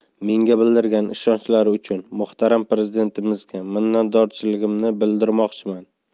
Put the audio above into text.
menga bildirgan ishonchlari uchun muhtaram prezidentimizga minnatdorligimni bildirmoqchiman